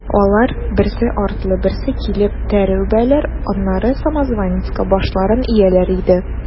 Алар, берсе артлы берсе килеп, тәре үбәләр, аннары самозванецка башларын ияләр иде.